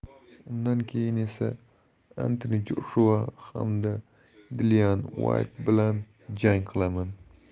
undan keyin esa entoni joshua hamda dilian uayt bilan jang qilaman